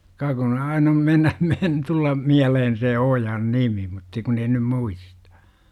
ka kun aina on mennä - tulla mieleen se ojan nimi mutta kun ei nyt muista